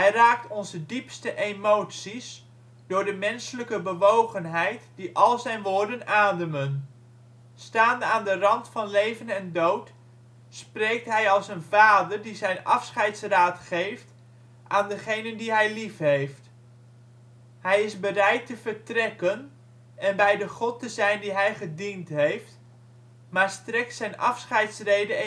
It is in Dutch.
raakt onze diepste emoties door de menselijke bewogenheid die al zijn woorden ademen. Staande aan de rand van leven en dood, spreekt hij als een vader die zijn afscheidsraad geeft aan degenen die hij lief heeft. Hij is bereid te vertrekken en bij de God te zijn die hij gediend heeft, maar strekt zijn afscheidsrede